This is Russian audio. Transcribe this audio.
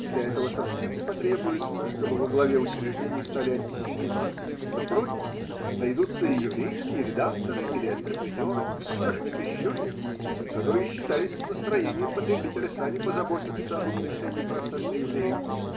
для этого совсем не потребуется, чтобы во главе учреждений стали антисемиты – напротив, найдутся и еврейские редакторы или антрепренеры, даже некрещеные, которые, считаясь с настроением потребителя, сами позаботятся об уменьшении процента евреев.